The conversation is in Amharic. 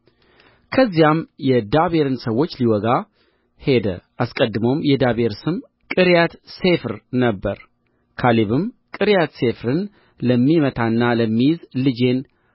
ከዚያም የዳቤርን ሰዎች ሊወጋ ሄደ አስቀድሞም የዳቤር ስም ቅርያትሤፍር ነበረ ካሌብም ቅርያትሤፍርን ለሚመታና ለሚይዝ ልጄን ዓክሳን አጋባዋለሁ አለ የካሌብም ትንሽ ወንድም የቄኔዝ ልጅ ጎቶንያል ያዛት ልጁንም